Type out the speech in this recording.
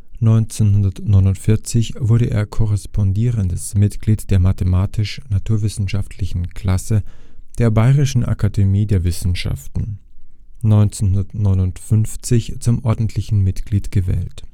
1949 wurde er korrespondierendes Mitglied der Mathematisch-naturwissenschaftlichen Klasse der Bayerischen Akademie der Wissenschaften, 1959 zum ordentlichen Mitglied gewählt